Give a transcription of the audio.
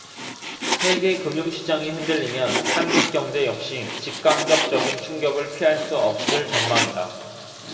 세계 금융시장이 흔들리면 한국 경제 역시 직간접적인 충격을 피할 수 없을 전망이다